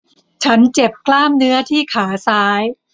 ฉันเจ็บกล้ามเนื้อที่ขาซ้าย